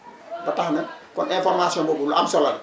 ba tax na kon information boobu lu am solo la